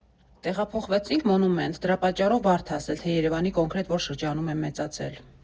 Տեղափոխվեցինք Մոնումենտ՝ դրա պատճառով բարդ ա ասել, թե Երևանի կոնկրետ որ շրջանում եմ մեծացել։